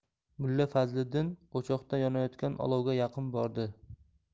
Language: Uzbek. mulla fazliddin o'choqda yonayotgan olovga yaqin bordi